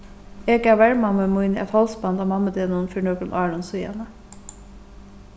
eg gav vermammu míni eitt hálsband á mammudegnum fyri nøkrum árum síðan